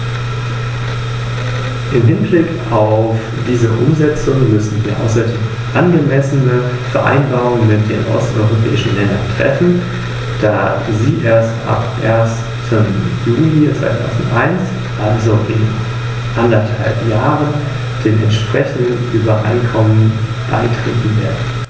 Die Einführung eines relativ einfachen, einheitlichen und - auch wenn dies der Streitpunkt ist - auf drei Sprachen basierenden Systems, wenngleich über eine oder mehrere Sprachen diskutiert worden ist, die in die Muttersprache des Antragstellers übersetzt werden würden, stellt einen wichtigen Schritt dar.